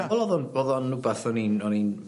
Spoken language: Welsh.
Wel o'dd o'dd o'n wbath o'n i'n o'n i'n